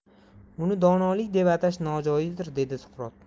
uni donolik deb atash nojoizdir deydi suqrot